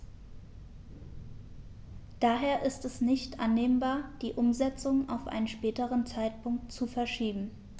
Daher ist es nicht annehmbar, die Umsetzung auf einen späteren Zeitpunkt zu verschieben.